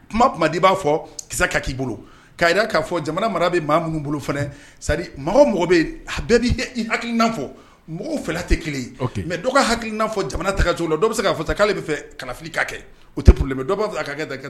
Kuma di i b'a fɔ ki ka'i bolo ka fɔ jamana mara bɛ maa minnu bolo fana mɔgɔ bɛ bɛɛ' hakili fɔ mɔgɔw fɛ tɛ kelen mɛ dɔ ka hakilikilinaafɔ jamana taj la dɔ bɛ se ka'ale bɛ fɛ kana fili ka kɛ o tɛ poro dɔ ka da